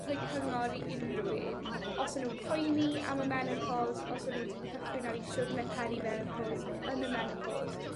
rhoi cyngor i unryw un, os 'yn nw'n poeni am y menopos os 'yn n'w 'di cychwyn ar 'u siwrne peri-menopos ne' yn y menopos